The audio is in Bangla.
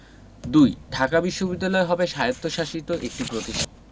২. ঢাকা বিশ্ববিদ্যালয় হবে স্বায়ত্তশাসিত একটি প্রতিষ্ঠা